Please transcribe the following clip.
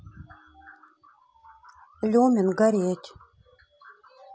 люмен гореть